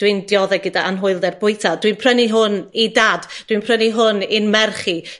Dwi'n diodde gydag anhwylder bwyta. Dwi'n prynu hwn i dad. Dwi'n prynu hwn i'n merch i